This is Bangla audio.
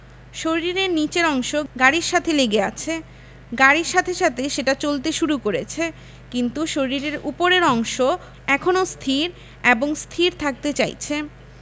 শরীরের নিচের অংশ গাড়ির সাথে লেগে আছে গাড়ির সাথে সাথে সেটা চলতে শুরু করেছে কিন্তু শরীরের ওপরের অংশ এখনো স্থির এবং স্থির থাকতে চাইছে